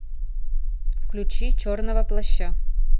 включи черного плаща